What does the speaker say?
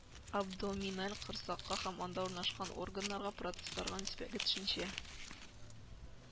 Абдоминаль корсакка һәм анда урнашкан органнарга, процессларга нисбәтле төшенчә